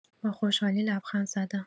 با خوشحالی لبخند زدم.